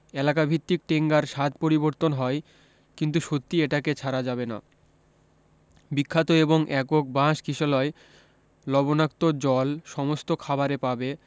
এলাকা ভিত্তিক টেঙ্গার স্বাদ পরিবর্তন হয় কিন্তু সত্যিই এটাকে ছাড়া যাবে না বিখ্যাত এবং একক বাঁশ কিশলয় লবণাক্ত জল সমস্ত খাবারে পাবে